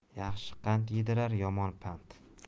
yaxshi qand yedirar yomon pand